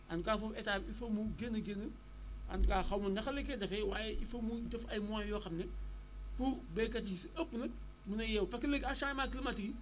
en tout cas foofu état bi il faut mu génn génn en tout cas xaw ma naka la koy defee waaye il faut mu def ay moyens yoo xam ne pour béykat yi si ëpp nag mën a yeewu parce que léegi ak changements climatiques yi